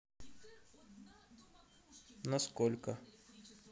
насколько